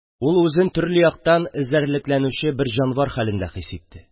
Ул үзен төрле яктан эзәрлекләнүче бер җанвар хәлендә хис итте.